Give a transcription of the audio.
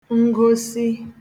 ngosị